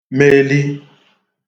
meli